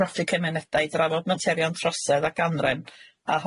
craffu cymunedau i drafod materion trosedd ac anrefn a